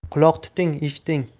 quloq tuting eshiting